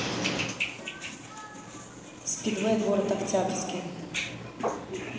speedway город октябрьский